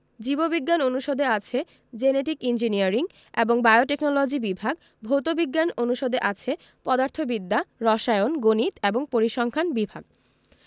জীব বিজ্ঞান অনুষদে আছে জেনেটিক ইঞ্জিনিয়ারিং এবং বায়োটেকনলজি বিভাগ ভৌত বিজ্ঞান অনুষদে আছে পদার্থবিদ্যা রসায়ন গণিত এবং পরিসংখ্যান বিভাগ